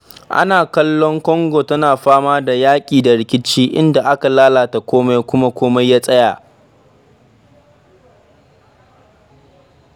Ana kallon Congo tana fama da yaƙi da rikici, inda aka lalata komai kuma komai ya tsaya